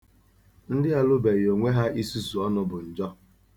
Ndị alụgbeghị onwe ha isusu ọnụ bụ njọ.